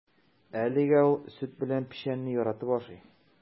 Әлегә ул сөт белән печәнне яратып ашый.